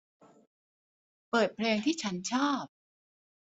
เปิดเพลงที่ฉันชอบ